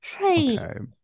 Hei!... Ok